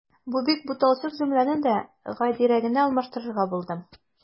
Бу бик буталчык җөмләне дә гадиерәгенә алмаштырырга булдым.